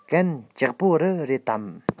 གན ལྕོགས པོ རི རེད དམ